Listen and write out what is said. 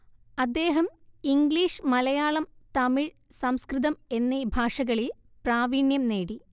അദ്ദേഹം ഇംഗ്ലീഷ് മലയാളം തമിഴ് സംസ്കൃതം എന്നീ ഭാഷകളിൽ പ്രാവീണ്യം നേടി